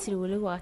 Sigi wolo wa